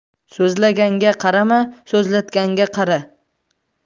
so'zlaganga qarama so'zlatganga qara